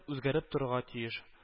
Үзгәреп торырга тиеш